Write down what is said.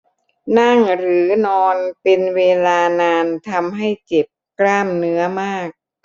นั่งหรือนอนเป็นเวลานานทำให้เจ็บกล้ามเนื้อมาก